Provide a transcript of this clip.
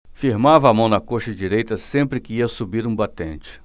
firmava a mão na coxa direita sempre que ia subir um batente